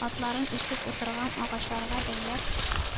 Атларын үсеп утырган агачларга бәйләп,